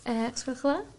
yy sgwelwch y' dda?